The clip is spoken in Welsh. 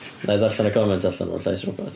Wna i ddarllen y comment allan mewn llais robot.